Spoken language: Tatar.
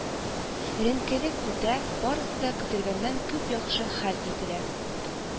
Ренкелек үтә, барысы да көтелгәннән күп яхшы хәл ителә